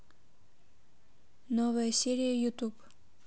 новая серия ютуб